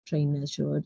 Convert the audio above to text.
Trainers, siŵr.